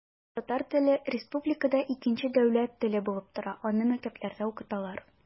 Татар теле республикада икенче дәүләт теле булып тора, аны мәктәпләрдә укыталар.